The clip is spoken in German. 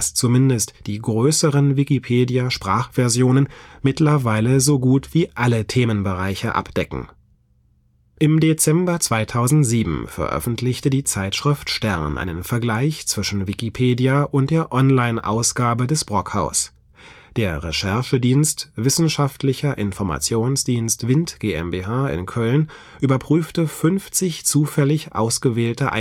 zumindest „ die größeren Wikipedia-Sprachversionen mittlerweile so gut wie alle Themenbereiche abdecken. “Im Dezember 2007 veröffentlichte die Zeitschrift Stern einen Vergleich zwischen Wikipedia und der Online-Ausgabe des Brockhaus. Der Recherchedienst „ Wissenschaftlicher Informationsdienst WIND GmbH “in Köln überprüfte 50 zufällig ausgewählte